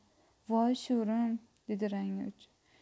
voy sho'rim dedi rangi o'chib